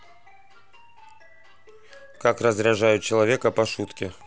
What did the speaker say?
как разряжают человека по шутке